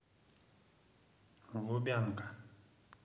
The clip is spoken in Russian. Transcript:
лубянка